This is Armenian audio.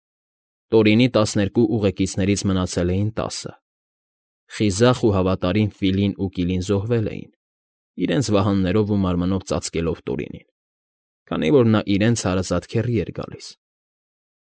Տորինի տասներկու ուղեկիցներից մնացել էին տասը. խիզախ ու հավատարիմ Ֆիլին ու Կիլին զոհվել էին՝ իրենց վահաններով ու մարմնով ծածկելով Տորինին, քանի որ նա իրենց հարազատ քեռի էր գալիս։